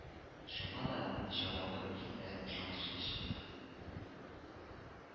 Шуңа да җавабы бик тә ышанычлы чыкты